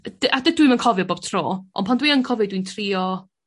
yd-... A dydw i'm yn cofio bob tro ond pan dwi yn cofio dwi'n trio